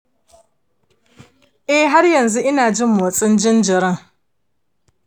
eh, har yanzu ina jin motsi jinjirin